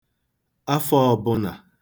afọ̄ ọ̄bụ̄nà